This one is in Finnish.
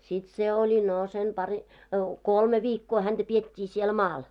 sitten se oli no sen - kolme viikkoa häntä pidettiin siellä maalla